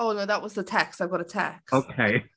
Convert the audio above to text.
Oh no that was a text. I've got a text... Ok.